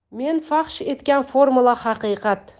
men kashf etgan formula haqiqat